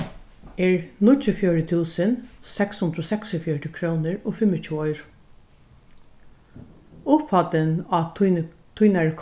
er níggjuogfjøruti túsund seks hundrað og seksogfjøruti krónur og fimmogtjúgu oyru upphæddin á tíni tínari